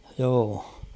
joo